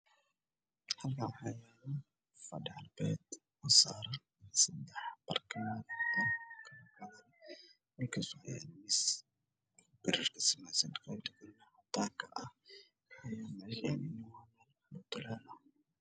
Waa aqal maxaa yeelay fadhi waxaa saaran barkimo dhulka waa caddaan